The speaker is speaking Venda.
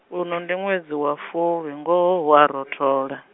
uno ndi ṅwedzi wa fulwi ngoho hu a rothola.